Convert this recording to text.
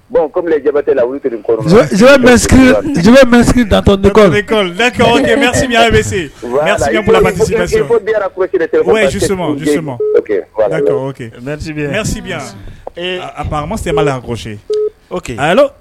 Da a ma la